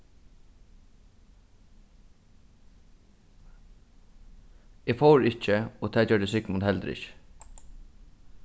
eg fór ikki og tað gjørdi sigmund heldur ikki